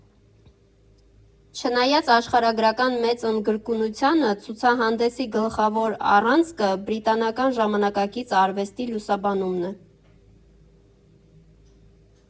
Չնայած աշխարհագրական մեծ ընդգրկունությանը, ցուցահանդեսի գլխավոր առանցքը բրիտանական ժամանակակից արվեստի լուսաբանումն է։